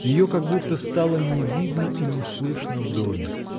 Ее как будто стало не видно и не слышно в доме.